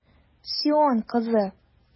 Сион кызы!